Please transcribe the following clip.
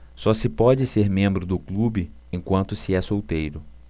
só se pode ser membro do clube enquanto se é solteiro